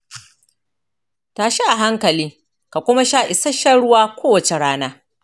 tashi a hankali ka kuma sha isasshen ruwa kowace rana.